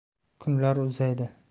kunlar uzaydi